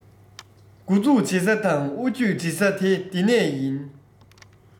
མགོ འཛུགས བྱེད ས དང དབུ ཁྱུད འབྲི ས དེ འདི ནས ཡིན